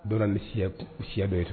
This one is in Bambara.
Dɔw ni siya dɔre